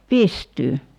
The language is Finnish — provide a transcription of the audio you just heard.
pystyyn